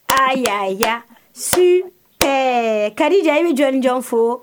Aa ya ya super Kadija e be jɔn ni jɔn fo